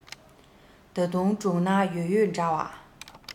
ད དུང དྲུང ན ཡོད ཡོད འདྲ བ